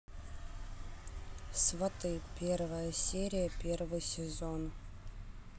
сваты первая серия первый сезон